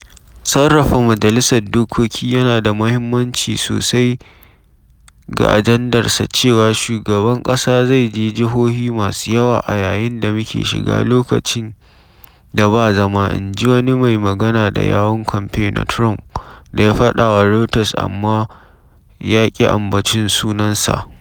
“Sarrafa Majalisar Dokoki yana da muhimmanci sosai ga ajandarsa cewa shugaban ƙasa zai je jihohi masu yawa a yayin da muke shiga lokacin da ba zama,” inji wani mai magana da yawun kamfe na Trump da ya faɗa wa Reuters amma ya ki a ambaci sunansa.